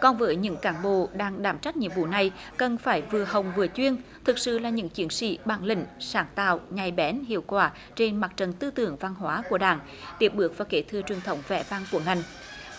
còn với những cán bộ đang đảm trách nhiệm vụ này cần phải vừa hồng vừa chuyên thực sự là những chiến sĩ bản lĩnh sáng tạo nhạy bén hiệu quả trên mặt trận tư tưởng văn hóa của đảng tiếp bước và kế thừa truyền thống vẻ vang của ngành